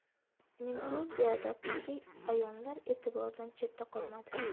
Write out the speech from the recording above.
uning bu beadabligi a'yonlar e'tiboridan chetda qolmadi